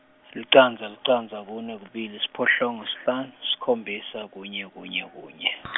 licandza, licandza, kune, kubili, siphohlongo, sihlanu, sikhombisa, kunye, kunye, kunye .